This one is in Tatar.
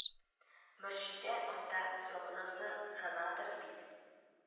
Мөршидә анда ялгызы гынадыр бит